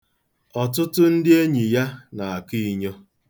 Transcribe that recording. Ọtụtụ ndị enyi ya na-akọ inyo.